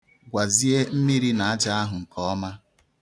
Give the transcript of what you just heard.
Gwazie mmiri na aja ahụ nke ọma.